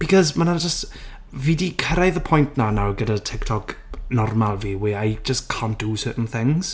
Because ma' 'na jyst... Fi 'di cyrraedd y pwynt 'na nawr gyda TikTok normal fi where I just can't do certain things.